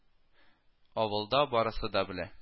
Авылда барысы да белә